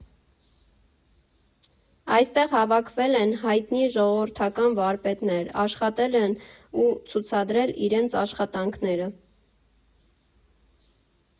Այստեղ հավաքվել են հայտնի ժողովրդական վարպետներ, աշխատել են ու ցուցադրել իրենց աշխատանքները։